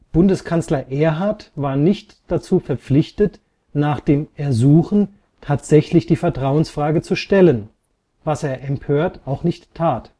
Bundeskanzler Erhard war nicht dazu verpflichtet, nach dem „ Ersuchen “tatsächlich die Vertrauensfrage zu stellen, was er empört auch nicht tat